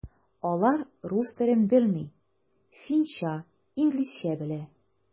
Алар рус телен белми, финча, инглизчә белә.